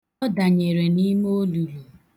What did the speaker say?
Ọ danyere n'ime olulu.